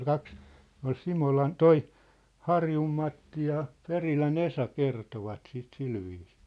kaksi ne oli Simolan tuo Harjun Matti ja Perilän Esa kertoivat sitä sillä viisiin